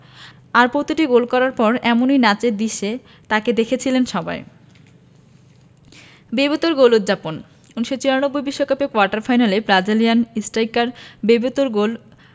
আর প্রতিটি গোল করার পর এমনই নাচের দৃশ্যে তাঁকে দেখেছিলেন সবাই বেবেতোর গোল উদ্ যাপন ১৯৯৪ বিশ্বকাপে কোয়ার্টার ফাইনালে ব্রাজিলিয়ান স্ট্রাইকার বেবেতোর গোল